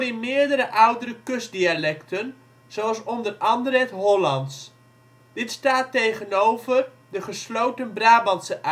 meerdere oude kustdialecten zoals onder andere het Hollands. Dit staat tegenover de gesloten Brabantse